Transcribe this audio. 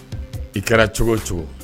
I kɛra cogo o cogo